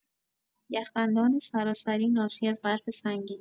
یخبندان سراسری ناشی از برف سنگین